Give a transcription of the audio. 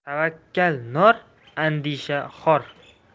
tavakkal nor andisha xor